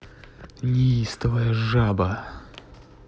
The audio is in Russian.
неистовый жаба